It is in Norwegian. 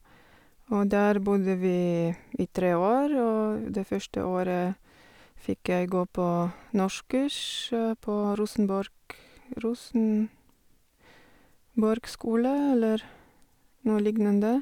Og der bodde vi i tre år, og det første året fikk jeg gå på norskkurs på Rosenborg Rosenborg skole, eller noe lignende.